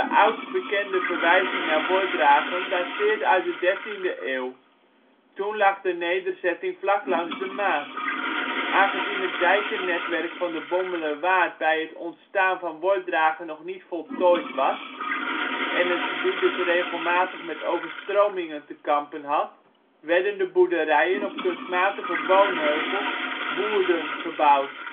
oudst bekende verwijzing naar Wordragen dateert uit de 13e eeuw. Toen lag de nederzetting vlak langs de Maas. Aangezien het dijkennetwerk van de Bommelerwaard bij het ontstaan van Wordragen nog niet voltooid was, en het gebied dus regelmatig met overstromingen te kampen had, werden de boerderijen op kunstmatige woonheuvels (woerden) gebouwd